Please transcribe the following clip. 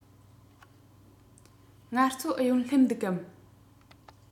ངལ རྩོལ ཨུ ཡོན སླེབས འདུག གམ